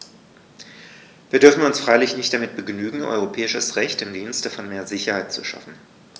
Wir dürfen uns freilich nicht damit begnügen, europäisches Recht im Dienste von mehr Sicherheit zu schaffen.